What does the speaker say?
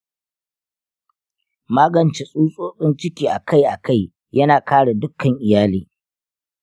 magance tsutsotsin ciki akai-akai yana kare dukkan iyali.